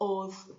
O'dd